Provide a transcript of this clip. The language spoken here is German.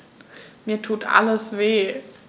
Mir tut alles weh.